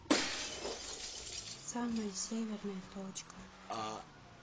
самая северная точка